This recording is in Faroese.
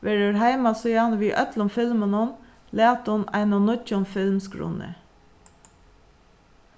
verður heimasíðan við øllum filmunum latin einum nýggjum filmsgrunni